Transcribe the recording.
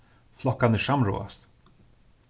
flokkarnir samráðast